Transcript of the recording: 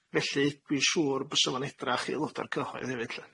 Felly dwi'n siŵr fysa fo'n edrach i aeloda' o'r cyhoedd hefyd lly.